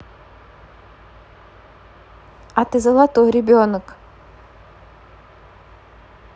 а ты золотой ребенок